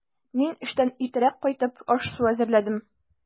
Мин, эштән иртәрәк кайтып, аш-су әзерләдем.